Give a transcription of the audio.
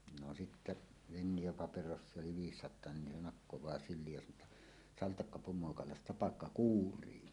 no sitten - Fennia-paperossia oli viisisataa niin ne nakkaa syliin ja sanoo jotta saltakka pumoakalastapakka kuurii